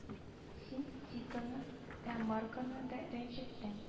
Син титоны да маргоны да рәнҗеттең